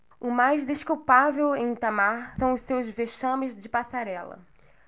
o mais desculpável em itamar são os seus vexames de passarela